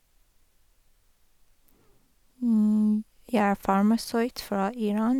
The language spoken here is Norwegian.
Jeg er farmasøyt fra Iran.